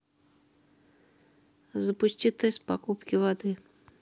запусти тест покупки воды